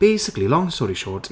Basically long story short...